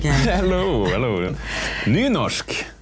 nynorsk.